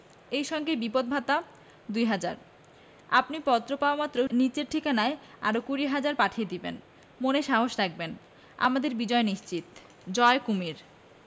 এই সঙ্গে বিপদ ভাতা দু'হাজার আপনি পত্র পাওয়ামাত্র নিচের ঠিকানায় আরো কুড়ি হাজার পাঠিয়ে দেবেন |মনে সাহস রাখবেন আমাদের বিজয় নিশ্চিত জয় কুমীর